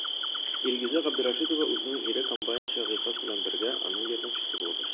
Илгизә Габдрәшитова үзенең ире комбайнчы Гыйльфас белән бергә, аның ярдәмчесе булып эшли.